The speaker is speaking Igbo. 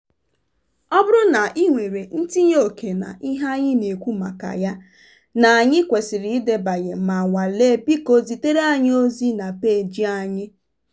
Ọ bụrụ na i nwere ntinye oke na ihe a na-ekwu maka ya na anyị kwesiri idebanye ma nwale biko zitere anyị ozi na peeji anyị.